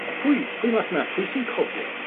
A pwy, pwy mas 'na, pwy sy'n cofio